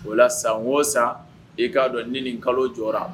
O la san o san i k'a dɔn ni nin kalo jɔra